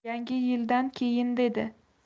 yangi yildan keyin dedi